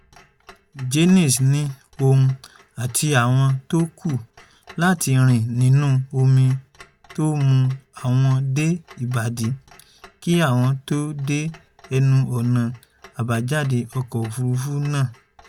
Jaynes ní òun àti àwọn t’ọ́n kù láti rìn nínú omi tó mù wọ́n dé ìbàdí k’áwọn tó dé ẹnu ọ̀nà àbájáde ọkọ̀-òfúrufú náà.